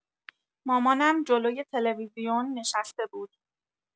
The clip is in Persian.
مامانم جلوی تلویزیون نشسته بود.